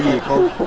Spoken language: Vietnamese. cô